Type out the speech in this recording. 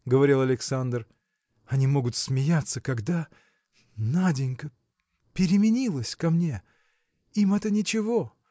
– говорил Александр, – они могут смеяться, когда. Наденька. переменилась ко мне! Им это ничего!